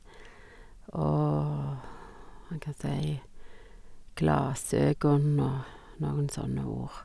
Og han kan si glasögon og noen sånne ord.